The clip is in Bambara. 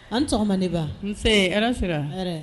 A' ni sɔgɔma ne ba, nse hɛrɛ sira, hɛrɛ